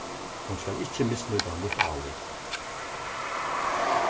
hon skal ikki misnýta mítt álit